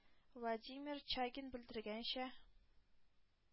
Владимир Чагин белдергәнчә,